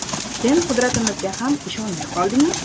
sen qudratimizga ham ishonmay qoldingmi